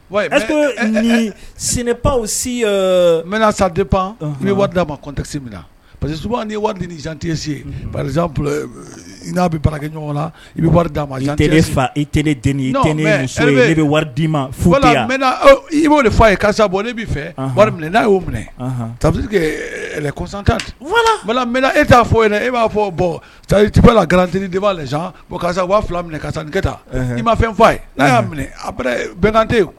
Sen si mna sante pan bɛ wari d'a matesi minɛ parce wari ni zantesi n'a bɛ barakɛ ɲɔgɔn na i bɛ wari'a ma fa i t i bɛ wari d'i ma i b'o de fɔ ye karisa bɔ ne' fɛ wari minɛ n'a y'o minɛsan tan e t'a fɔ yen e b'a fɔ la garanti de b'a la karisa waa fila minɛ karisa taa i maa fɛn fɔ' a ye n'a y'a minɛ a bɛnkante